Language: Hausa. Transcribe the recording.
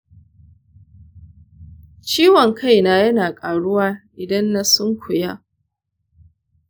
ciwon kai na yana ƙaruwa idan na sunkuya.